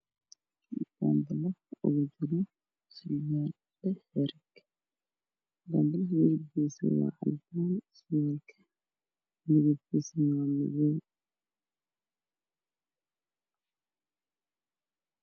Waa surwaal midabkiisii haye caddaan waxa uu suran yahay boonbalo olshe yahay madow william iyo xariirsanba wiilka kujirta u shaqeeyay ma jirto